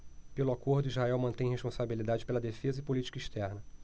pelo acordo israel mantém responsabilidade pela defesa e política externa